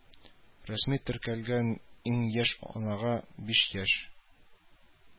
Рәсми теркәлгән иң яшь анага биш яшь